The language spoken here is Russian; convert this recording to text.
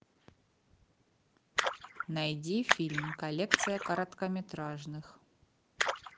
найди фильм коллекция короткометражных